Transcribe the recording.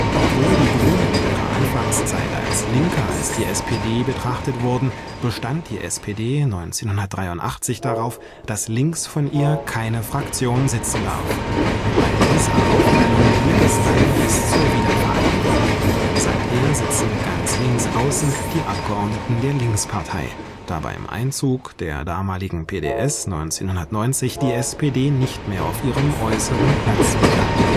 Obwohl die Grünen in ihrer Anfangszeit als „ linker “als die SPD betrachtet wurden, bestand die SPD 1983 darauf, dass links von ihr keine Fraktion sitzen darf. Bei dieser Aufteilung blieb es dann bis zur Wiedervereinigung. Seither sitzen ganz links außen die Abgeordneten der Linkspartei, da beim Einzug der damaligen PDS 1990 die SPD nicht mehr auf ihrem äußeren Platz bestand